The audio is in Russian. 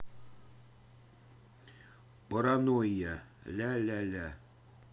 паранойя ля ля ля